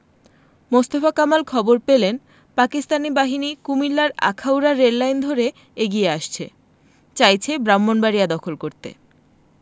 মোস্তফা কামাল খবর পেলেন পাকিস্তানি বাহিনী কুমিল্লার আখাউড়া রেললাইন ধরে এগিয়ে আসছে চাইছে ব্রাহ্মনবাড়িয়া দখল করতে